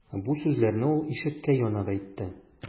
Бу сүзләрне ул ишеккә янап әйтте.